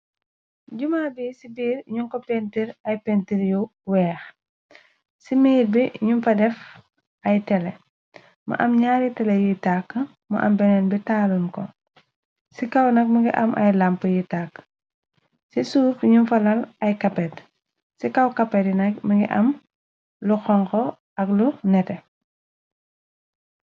juma bi ci biir ñu ko pentir ay pintir yu weex ci miir bi ñum fa def ay tele mu am ñaari tele yuy tàkk mu am benet bi taalun ko ci kaw nag mëngi am ay lamp yi tàkk ci suufi ñu falal ay kapet ci kaw kapeti nak mëngi am lu xonko ak lu nete